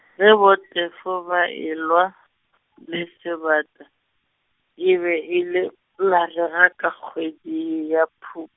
ge BoTefo ba e lwa, le sebata, e be e le, marega ka kgwedi ya Phu-.